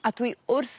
a dwi wrth